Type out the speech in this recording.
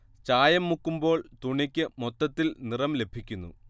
ചായം മുക്കുമ്പോൾ തുണിക്ക് മൊത്തത്തിൽ നിറം ലഭിക്കുന്നു